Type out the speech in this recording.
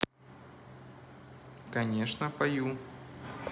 конечно пою